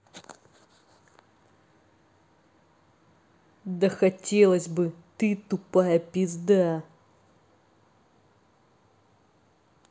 да хотелось бы ты тупая пизда